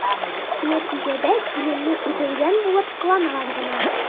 Нәтиҗәдә киленне үтергән булып кыланалар гына.